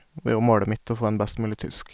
Og det er jo målet mitt å få en best mulig tysk.